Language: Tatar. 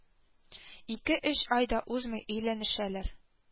Ике-өч ай да узмый, өйләнешәләр